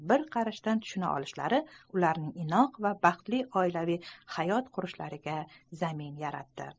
bir qarashdan tushuna olishlari ularning inoq va baxtli oilaviy hayot qurishlariga zamin yaratdi